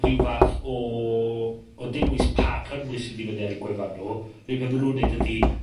rhyw fath o o dewis pa cynnwys sydd i fyny ar 'u gwefan nw, fetha ma' nw'n neud ydi